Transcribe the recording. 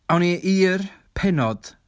Awn ni i'r pennod.